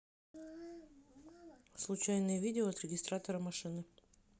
случайные видео от регистратора машины